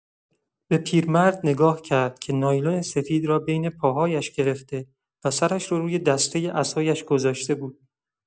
به پیرمرد نگاه کرد که نایلون سفید را بین پاهاش گرفته و سرش را روی دسته عصایش گذاشته بود.